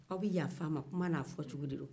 aw bɛ yafa n'maa kuma n'a fɔcogo de do